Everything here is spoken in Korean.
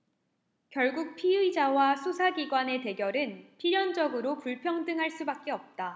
결국 피의자와 수사기관의 대결은 필연적으로 불평등할 수밖에 없다